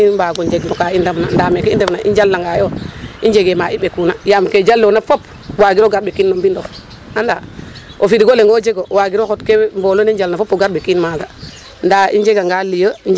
Xan i mbaag o njeg no ka i ndamna ndaa meke i ndefna i njalangaayo i njegee ma i ɓekuna yaam ke jaloona fop wagiro gar ɓekin no mbindof anda o frigo leŋ o jeg o wagiro xot ke mbolo ne njalna fop o gar ɓekin maaga .